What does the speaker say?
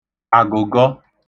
àgụ̀gọ